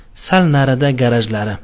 sal narida garajlari